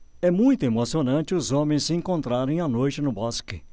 é muito emocionante os homens se encontrarem à noite no bosque